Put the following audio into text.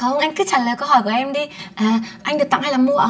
không anh cứ trả lời câu hỏi của em đi anh được tặng hay là mua ạ